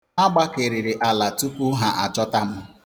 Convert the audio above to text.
Ha gbakeriri ala tupu ha achọta m.